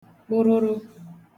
kpụrụrụ